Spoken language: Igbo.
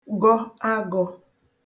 gọ agọ̄